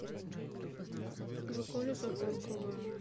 жк лесопарковая